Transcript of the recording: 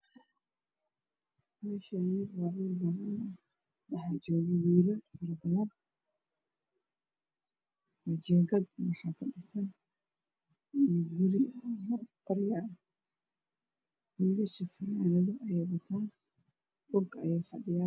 Meshaani waa meel banaan ah waxaa jogo wilal far badanjingad wax kadhisan guri qoryo ah wilasha funaanado ey wataan dhulak ey fadhiyaan